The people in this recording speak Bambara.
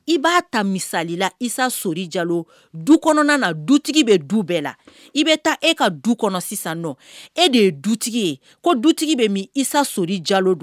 I b'a ta misali Isa sɔri Jalo ,du kɔnɔna, dutigi bɛ du bɛɛ la , i bɛ taa e ka du kɔnɔ sisan, e de ye dutigi ye , ko dutigi bɛ min? Isa Jalo don